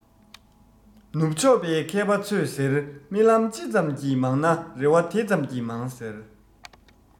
ནུབ ཕྱོགས པའི མཁས པ ཚོས ཟེར རྨི ལམ ཅི ཙམ གྱིས མང ན རེ བ དེ ཙམ གྱིས མང ཟེར